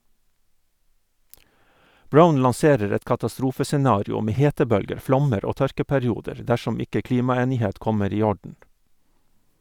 Brown lanserer et katastrofe-scenario med hetebølger, flommer og tørkeperioder dersom ikke klimaenighet kommer i orden.